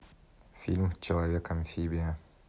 фильм человек амфибия